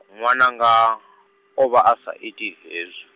nwananga , o vha a sa iti hezwi.